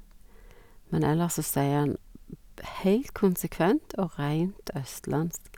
Men ellers så sier han b heilt konsekvent og reint østlandsk.